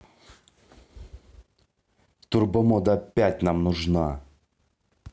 турбомода опять нам нужна